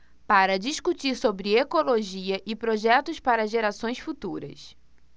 para discutir sobre ecologia e projetos para gerações futuras